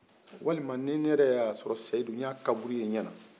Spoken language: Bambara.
walima ni yɛrɛ y'a sɔrɔ seyidu n y'a kaburu ye ɲɛ na